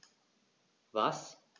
Was?